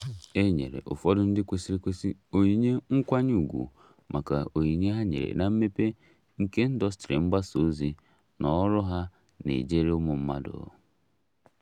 E nyere ụfọdụ ndị kwesịrị ekwesị onyinye nkwanye ùgwù maka onyinye ha nyere na mmepe nke ndọstrị mgbasa ozi na ọrụ ha na-ejere ụmụ mmadụ.